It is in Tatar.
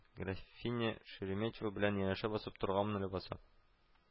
Графиня Шереметева белән янәшә басып торганмын лабаса